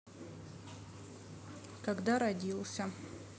когда родился